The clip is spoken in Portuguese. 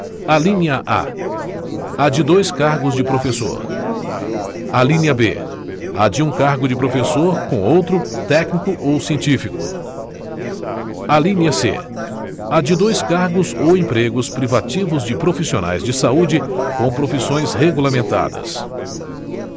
alínea a a de dois cargos de professor alínea b a de um cargo de professor com outro técnico ou científico alínea c a de dois cargos ou empregos privativos de profissionais de saúde com profissões regulamentadas